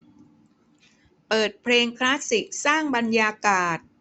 เปิดเพลงคลาสสิกสร้างบรรยากาศ